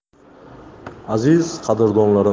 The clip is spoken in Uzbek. aziz qadrdonlarim